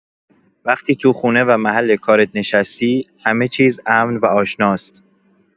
وقتی تو خونه و محل کارت نشستی، همه‌چیز امن و آشناست.